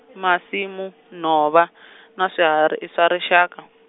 masimu, nhova , na swihari i swa rixaka.